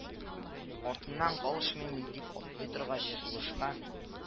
Артыннан калышмыйм, дип атлый торгач, сулышка